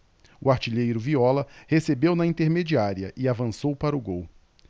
o artilheiro viola recebeu na intermediária e avançou para o gol